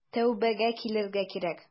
Тәүбәгә килергә кирәк.